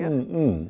m ja.